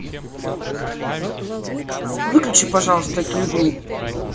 выключи пожалуйста эту игру